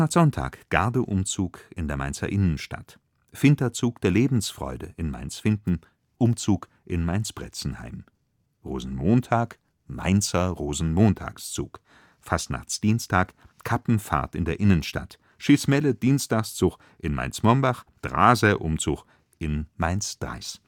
Sonntag: Gardeumzug in der Mainzer Innenstadt „ Finther Zug der Lebensfreude “in Mainz-Finthen Umzug in Mainz-Bretzenheim Rosenmontag: Mainzer Rosenmontagszug Fastnachtsdienstag: Kappenfahrt in der Innenstadt „ Schissmelle-Dienstagszug “in Mainz-Mombach „ Draaser Umzug “in Mainz-Drais